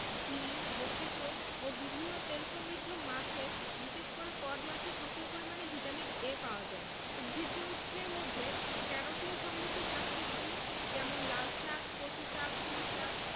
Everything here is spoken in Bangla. ঘি যকৃৎ ও বিভিন্ন তেলসমৃদ্ধ মাছে বিশেষ করে কড মাছে প্রচুর পরিমান ভিটামিন A পাওয়া যায় উদ্ভিজ্জ উৎসের মধ্যে ক্যারোটিন সমৃদ্ধ শাক সবজি যেমন লালশাক কচুশাক পুঁইশাক